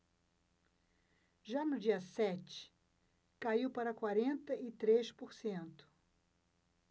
já no dia sete caiu para quarenta e três por cento